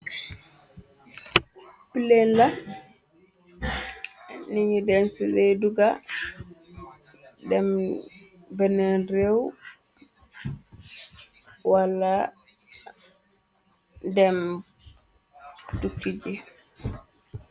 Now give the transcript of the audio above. Plen la niñu den ci ley duga dem beneen réew wala dem tukki ji.